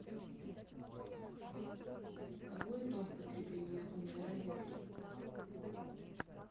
какой ток потребления умной розетки